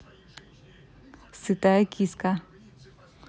сытая киска